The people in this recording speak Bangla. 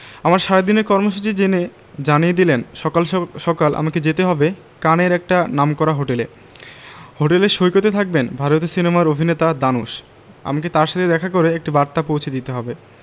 আমার সারাদিনের কর্মসূচি জেনে জানিয়ে দিলেন সকাল সকাল আমাকে যেতে হবে কানের একটা নামকরা হোটেলে হোটেলের সৈকতে থাকবেন ভারতীয় সিনেমার অভিনেতা দানুশ আমাকে তার সাথে দেখা করে একটি বার্তা পৌঁছে দিতে হবে